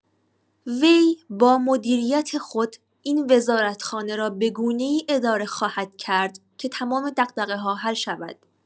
وی با مدیریت خود این وزارتخانه را به گونه‌ای اداره خواهد کرد که تمام دغدغه‌ها حل شود.